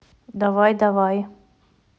давай давай